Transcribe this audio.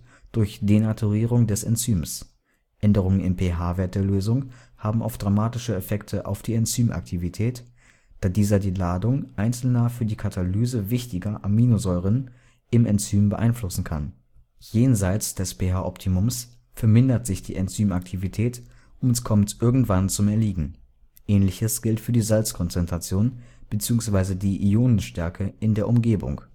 durch Denaturierung des Enzyms. Änderungen im pH-Wert der Lösung haben oft dramatische Effekte auf die Enzymaktivität, da dieser die Ladung einzelner für die Katalyse wichtiger Aminosäuren im Enzym beeinflussen kann. Jenseits des pH-Optimums vermindert sich die Enzymaktivität und kommt irgendwann zum Erliegen. Ähnliches gilt für die Salzkonzentration bzw. die Ionenstärke in der Umgebung